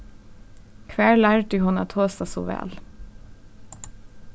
hvar lærdi hon at tosa so væl